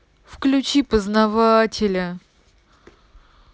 включи познавателя